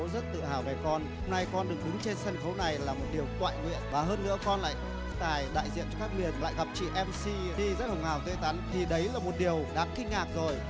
bố rất tự hào về con hôm nay con được đứng trên sân khấu này là một điều toại nguyện và hơn nữa con lại thi tài đại diện cho các miền lại gặp chị em xi rất hồng hào và tươi tắn thì đấy là một điều đáng kinh ngạc rồi